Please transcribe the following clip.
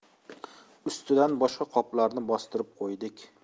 ustidan boshqa qoplarni bostirib qo'ydik